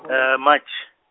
March.